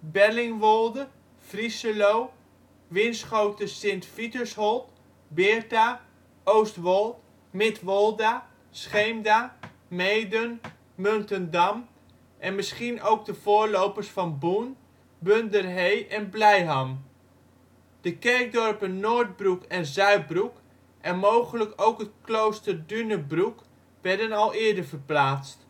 Bellingwolde, Vriescheloo, Winschoten-Sint-Vitusholt, Beerta, Oostwold, Midwolda, Scheemda, Meeden, Muntendam en misschien ook de voorlopers van Boen, Bunderhee en Blijham. De kerkdorpen Noordbroek en Zuidbroek en mogelijk ook het klooster Dünebroek werden al eerder verplaatst